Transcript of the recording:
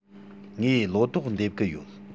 ངས ལོ ཏོག འདེབས གི ཡོད